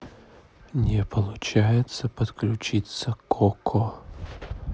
не получается подключиться к окко